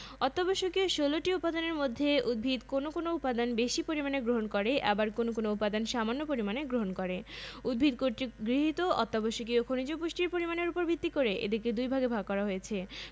উদ্ভিদে প্রায় ৬০টি অজৈব উপাদান শনাক্ত করা হয়েছে তবে এই ৬০টি উপাদানের মধ্যে মাত্র ১৬টি উপাদান উদ্ভিদের স্বাভাবিক বৃদ্ধির জন্য একান্ত প্রয়োজনীয়